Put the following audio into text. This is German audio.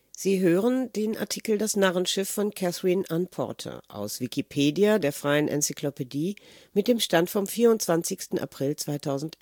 Sie hören den Artikel Das Narrenschiff (Porter), aus Wikipedia, der freien Enzyklopädie. Mit dem Stand vom Der